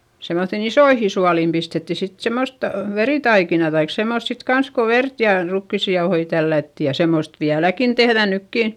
semmoisiin isoihin suoliin pistettiin sitten semmoista veritaikinaa tai semmoista sitten kanssa kun verta ja rukiisia jauhoja tällättiin ja semmoista vieläkin tehdään nytkin